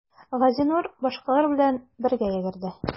Газинур башкалар белән бергә йөгерде.